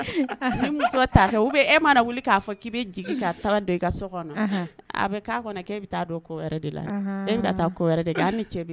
A bɛ de